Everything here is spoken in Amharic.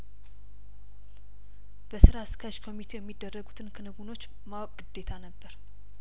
በስራ አስኪያጅ ኮሚቴው የሚደረጉትን ክንውኖች ማወቅ ግዴታ ነበር